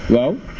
waaw